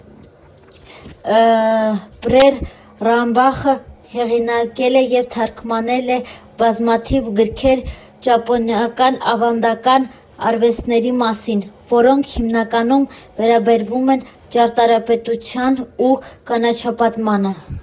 Պիեռ Ռամբախը հեղինակել և թարգմանել է բազմաթիվ գրքեր ճապոնական ավանդական արվեստների մասին, որոնք հիմնականում վերաբերում են ճարտարապետությանն ու կանաչապատմանը։